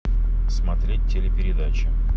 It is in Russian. смотреть телепередачи